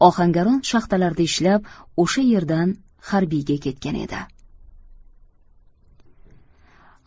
ohangaron shaxtalarida ishlab o'sha yerdan harbiyga ketgan edi